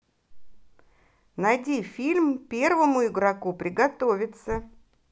найди фильм первому игроку приготовиться